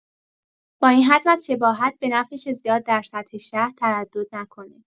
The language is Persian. با این حجم از شباهت به نفعشه زیاد در سطح شهر تردد نکنه!